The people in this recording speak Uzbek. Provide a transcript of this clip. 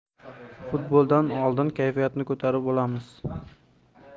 futbolda oldin kayfiyatni ko'tarib olamiz